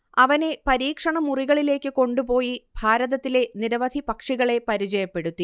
അവനെ പരീക്ഷണമുറികളിലേക്കു കൊണ്ടുപോയി ഭാരതത്തിലെ നിരവധി പക്ഷികളെ പരിചയപ്പെടുത്തി